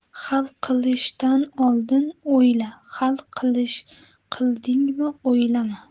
hal qilishdan oldin o'yla hal qildingmi o'ylama